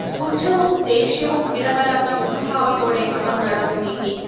പുച്ഛവും ദേഷ്യവും ഇടകലർന്ന മുഖഭാവത്തോടെ അവൻ നടന്നുനീങ്ങി